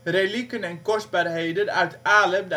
relieken en kostbaarheden uit Alem